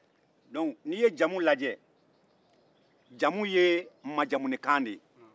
dɔnku n'i ye jamu lajɛ jamu ye majamunikan dɛ ye